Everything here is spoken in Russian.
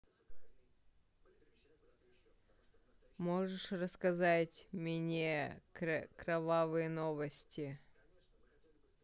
можешь рассказать менее кровавые новости